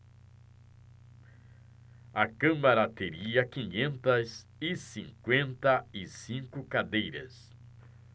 a câmara teria quinhentas e cinquenta e cinco cadeiras